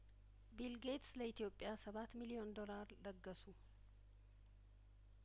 ቢልጌትስ ለኢትዮጵያ ሰባት ሚሊዮን ዶላር ለገሱ